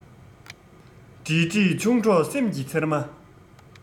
འདྲིས འདྲིས ཆུང གྲོགས སེམས ཀྱི ཚེར མ